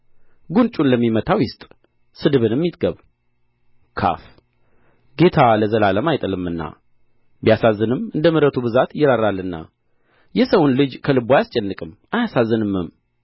ጕንጩን ለሚመታው ይስጥ ስድብንም ይጥገብ ካፍ ጌታ ለዘላለም አይጥልምና ቢያሳዝንም እንደ ምሕረቱ ብዛት ይራራልና የሰውን ልጆች ከልቡ አያስጨንቅም አያሳዝንምም